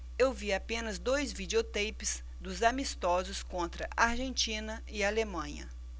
eu vi apenas dois videoteipes dos amistosos contra argentina e alemanha